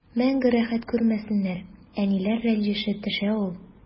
Мәңге рәхәт күрмәсеннәр, әниләр рәнҗеше төшә ул.